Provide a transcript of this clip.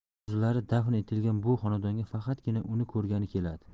orzulari dafn etilgan bu xonadonga faqatgina uni ko'rgani keladi